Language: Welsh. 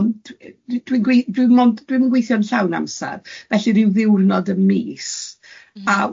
ond dwi'n gwe- dwi mond dwi'm yn gweithio'n llawn amser, felly ryw ddiwrnod y mis